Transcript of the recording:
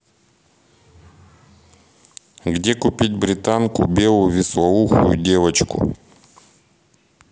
где купить британку белую вислоухую девочку